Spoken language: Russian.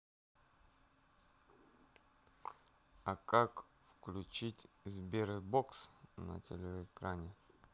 а как включить сберсбокс на телеэкране